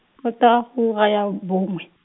kotara go ura ya bongwe.